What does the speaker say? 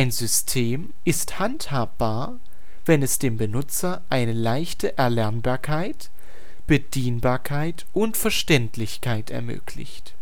System ist handhabbar, wenn es dem Benutzer eine leichte Erlernbarkeit, Bedienbarkeit und Verständlichkeit ermöglicht